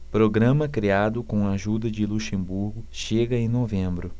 programa criado com a ajuda de luxemburgo chega em novembro